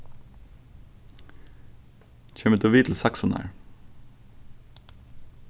kemur tú við til saksunar